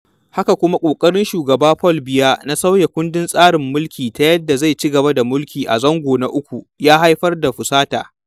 Haka kuma ƙoƙarin Shugaba Paul Biya na sauya kundin tsarin mulki ta yadda zai ci gaba da mulki a zango na uku ya haifar da fusata.